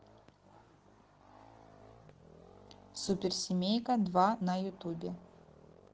суперсемейка два на ютубе